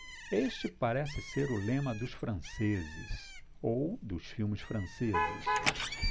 este parece ser o lema dos franceses ou dos filmes franceses